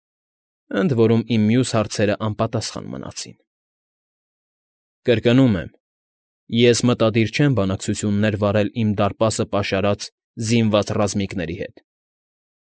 Ընդ որում իմ մյուս հարցերն անպատասխան մնացին։ ֊ Կրկնում եմ, ես մտադիր չեմ բանակցություններ վարել իմ դարպասը պաշարած զինված ռազմիկների հետ։